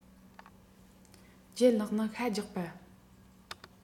ལྗད ལགས ནི ཤ རྒྱགས པ